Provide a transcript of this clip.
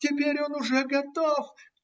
Теперь он уже готов.